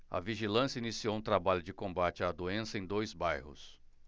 a vigilância iniciou um trabalho de combate à doença em dois bairros